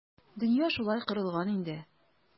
Дөнья шулай корылган инде.